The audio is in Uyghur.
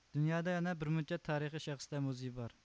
دۇنيادا يەنە بىرمۇنچە تارىخىي شەخسلەر مۇزېيى بار